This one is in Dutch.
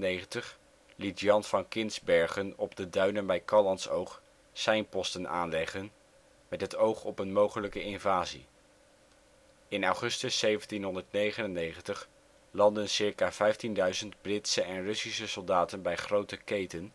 1795 liet Jan van Kinsbergen op de duinen bij Callantsoog seinposten aanleggen, met het oog op een mogelijke invasie. In augustus 1799 landden circa vijftienduizend Britse en Russische soldaten bij Groote Keeten,